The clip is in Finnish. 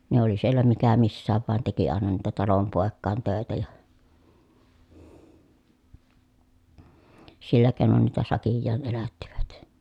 ne oli siellä mikä missäkin vain teki aina niitä talonpoikien töitä ja sillä keinoin niitä sakkiaan elättivät